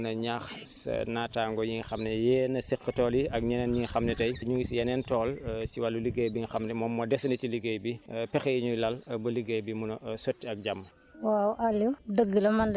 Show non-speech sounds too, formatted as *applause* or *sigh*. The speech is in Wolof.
Ndeye Diagne fiñ toll nii lan nga mën a ñaax sa naataango yi nga xam ne yéen a seq tool yi ak ñeneen ñi nga xam ne tey ñu ngi si yeneen tool *hesitation* si wàllu liggéey bi nga xam ne moom moo desandi ci liggéey bi pexe yi ñuy lal ba liggéey bi mën a sotti ak jàmm